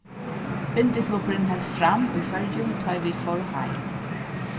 bindiklubburin helt fram í føroyum tá ið vit fóru heim